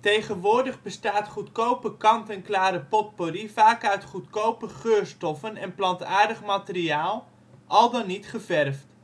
Tegenwoordig bestaat goedkope kant-en-klare potpourri vaak uit goedkope geurstoffen en plantaardig materiaal, al dan niet geverfd